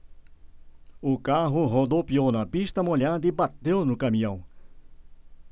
o carro rodopiou na pista molhada e bateu no caminhão